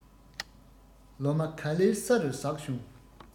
ལོ མ ག ལེར ས རུ ཟགས བྱུང